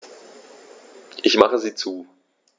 Ich mache sie zu.